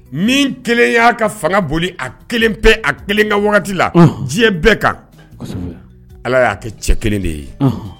Min kelen y'a ka fanga boli a kelen pe a kelen ka wagati la diɲɛ bɛɛ kan ala y'a kɛ cɛ kelen de ye